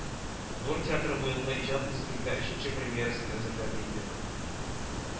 Нур театры быелгы иҗат мизгелендә өченче премьерасын әзерләде инде